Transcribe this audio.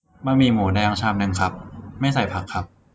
บะหมี่หมูแดงชามนึงครับไม่ใส่ผักครับ